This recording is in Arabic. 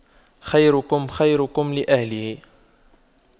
خيركم خيركم لأهله